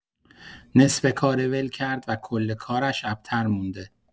نصفه‌کاره ول کرد و کل کارش ابتر مونده.